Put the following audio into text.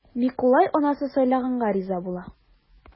Микулай анасы сайлаганга риза була.